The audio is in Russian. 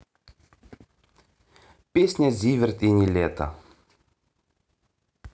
песня zivert и niletto